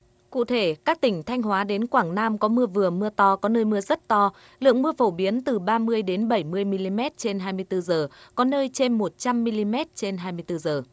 cụ thể các tỉnh thanh hóa đến quảng nam có mưa vừa mưa to có nơi mưa rất to lượng mưa phổ biến từ ba mươi đến bảy mươi mi li mét trên hai mươi tư giờ có nơi trên một trăm mi li mét trên hai mươi tư giờ